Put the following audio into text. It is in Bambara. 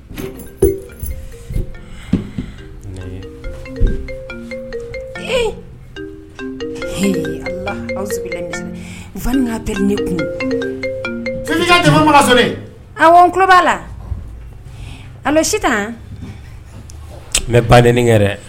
Ne kun an tuloba la ala sisan n bɛ baden kɛ dɛ